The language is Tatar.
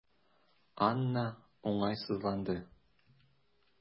Анна уңайсызланды.